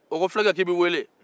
o ko fula kɛ k'i bɛ wele